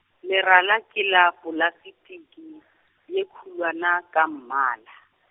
lerala ke la plastiki, ye khulwana ka mmala.